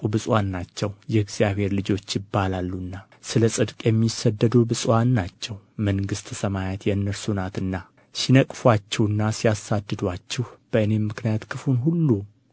ብፁዓን ናቸው የእግዚአብሔር ልጆች ይባላሉና ስለ ጽድቅ የሚሰደዱ ብፁዓን ናቸው መንግሥተ ሰማያት የእነርሱ ናትና ሲነቅፉአችሁና ሲያሳድዱአችሁ በእኔም ምክንያት ክፉውን ሁሉ